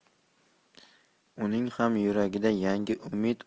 uning ham yuragida yangi umid